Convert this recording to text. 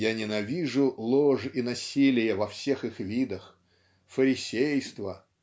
"Я ненавижу ложь и насилие во всех их видах фарисейство